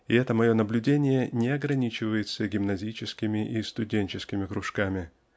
И это мое наблюдение не ограничивается гимназическими и студенческими кружками.